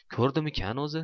ko'rdimikan o'zi